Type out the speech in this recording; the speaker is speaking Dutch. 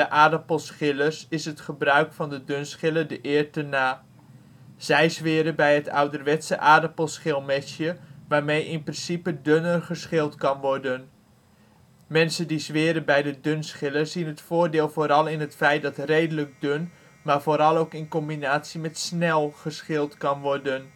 aardappelschillers is het gebruik van de dunschiller de eer te na. Zij zweren bij het ouderwetse aardappelschilmesje, waarmee in principe dunner geschild kan worden. Mensen die zweren bij de dunschiller zien het voordeel vooral in het feit dat redelijk dun, maar vooral ook in combinatie met snel geschild kan worden